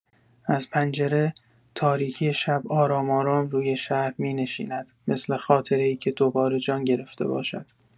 از پنجره، تاریکی شب آرام‌آرام روی شهر می‌نشیند، مثل خاطره‌ای که دوباره جان گرفته باشد.